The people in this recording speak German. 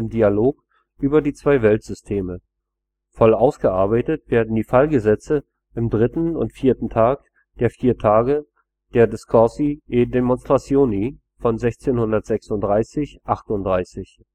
Dialog über die zwei Weltsysteme; voll ausgearbeitet werden die Fallgesetze im dritten und vierten Tag der vier Tage der Discorsi e Demonstrazioni von 1636 / 38.